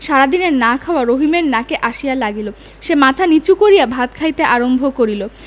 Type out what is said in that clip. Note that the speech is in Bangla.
সারাদিনের না খাওয়া রহিমের নাকে আসিয়া লাগিল সে মাথা নীচু করিয়া ভাত খাইতে আরম্ভ করিল